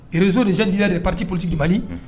Rzo nisanti yɛrɛ ye pati politi mali